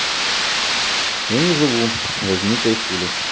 я не живу возьми кайфули